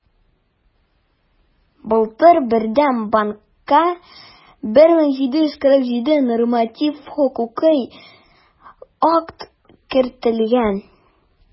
Былтыр Бердәм банкка 1747 норматив хокукый акт кертелгән.